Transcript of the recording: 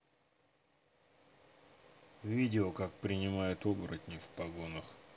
видео как принимают оборотни в погонах